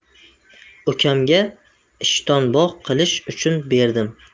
ukamga ishtonbog' qilish uchun berdim